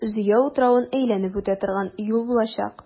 Зөя утравын әйләнеп үтә торган юл булачак.